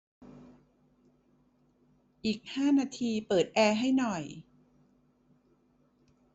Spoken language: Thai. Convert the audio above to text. อีกห้านาทีเปิดแอร์ให้หน่อย